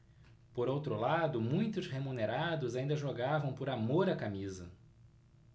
por outro lado muitos remunerados ainda jogavam por amor à camisa